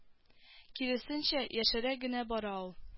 Киресенчә яшәрә генә бара ул